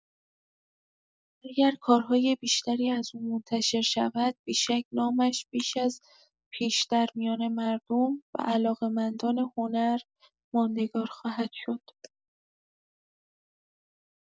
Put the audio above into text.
اگر کارهای بیشتری از او منتشر شود، بی‌شک نامش بیش از پیش در میان مردم و علاقه‌مندان هنر ماندگار خواهد شد.